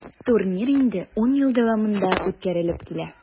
Турнир инде 10 ел дәвамында үткәрелеп килә.